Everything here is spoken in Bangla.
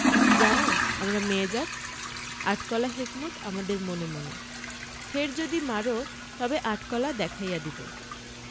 জান আমরা মেয়ে জাত আট কলা হেকমত আমাদের মনে মনে ফের যদি মার তবে আট কলা দেখাইয়া দিব